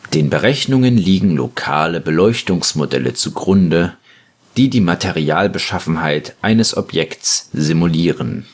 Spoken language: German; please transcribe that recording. Den Berechnungen liegen lokale Beleuchtungsmodelle zugrunde, die die Materialbeschaffenheit eines Objekts simulieren